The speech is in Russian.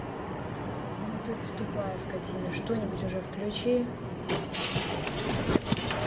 ну ты тупая скотина что нибудь уже включи